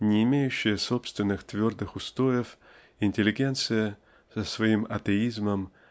не имеющая собственных твердых устоев интеллигенция с . своим атеизмом